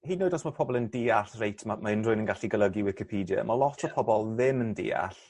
hyd yn oed os ma' pobol yn deall reit ma' ma' unrywun yn gallu golygu wicipedia ma' lot o pobol ddim yn deall